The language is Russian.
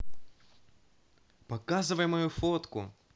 показывай мою фотку